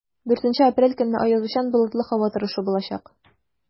4 апрель көнне аязучан болытлы һава торышы булачак.